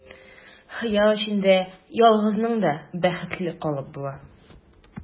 Хыял эчендә ялгызың да бәхетле калып була.